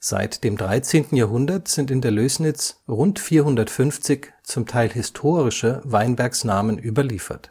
Seit dem 13. Jahrhundert sind in der Lößnitz rund 450, zum Teil historische, Weinbergsnamen überliefert